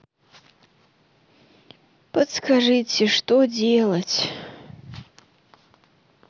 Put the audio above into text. подскажите что делать